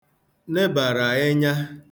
nebàrà ẹnya